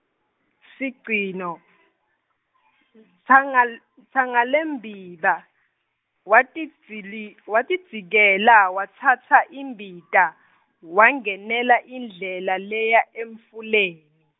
sigcino, Tsangal- Tsangalembiba, watidzili- , watidzikela watsatsa imbita, wangenela indlela leya emfuleni.